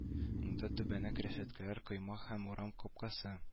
Уңда тәбәнәк рәшәткәле койма һәм урам капкасы